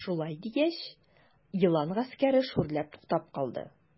Шулай дигәч, елан гаскәре шүрләп туктап калды.